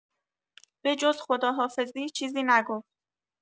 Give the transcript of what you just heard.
به‌جز خداحافظی چیزی نگفت.